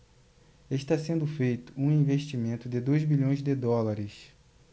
está sendo feito um investimento de dois bilhões de dólares